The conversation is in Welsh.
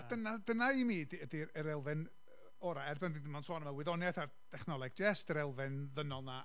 Dyna dyna i mi ydy'r, ydy'r elfen orau. Er dan ni 'di bod yn sôn am, y wythoniaeth a'r dechnoleg jyst yr elfen ddynol yna